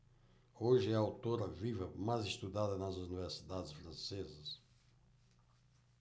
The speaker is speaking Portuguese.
hoje é a autora viva mais estudada nas universidades francesas